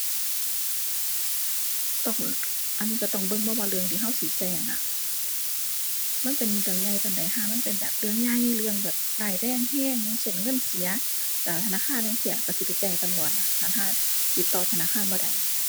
ต้อง อันนี้ก็ต้องเบิ่ง เพราะว่าเรื่องที่ก็สิแจ้งอะ มันเป็นเรื่องใหญ่ปานใด ห่ามันเป็นแบบเรื่องใหญ่ เรื่องแบบร้ายแรงก็ อย่างเช่น เงินเสียจากธนาคารจั่งซี้ก็สิไปแจ้งตำรวจล่ะ คันห่าติดต่อธนาคารบ่ได้